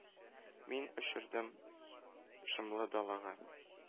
Мин очырдым шомлы далага,